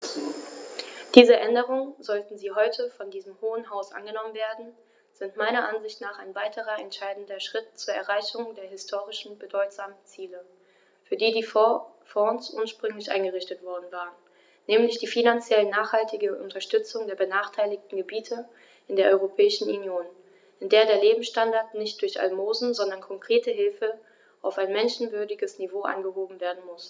Diese Änderungen, sollten sie heute von diesem Hohen Haus angenommen werden, sind meiner Ansicht nach ein weiterer entscheidender Schritt zur Erreichung der historisch bedeutsamen Ziele, für die die Fonds ursprünglich eingerichtet worden waren, nämlich die finanziell nachhaltige Unterstützung der benachteiligten Gebiete in der Europäischen Union, in der der Lebensstandard nicht durch Almosen, sondern konkrete Hilfe auf ein menschenwürdiges Niveau angehoben werden muss.